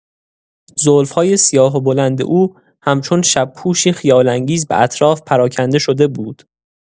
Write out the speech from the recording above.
زلف‌های سیاه و بلند او همچون شب‌پوشی خیال‌انگیز به اطراف پراکنده شده بود.